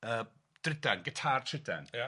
yy drudan, gitar trudan... Ia...